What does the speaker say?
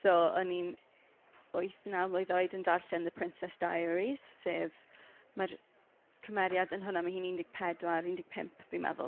so o'n i'n wyth naw mlwydd oed yn darllen The Princess Diaries. Sef... Mae'r cymeriad yn hwnna, ma' hi'n un deg pedwar, un deg pump fi'n meddwl.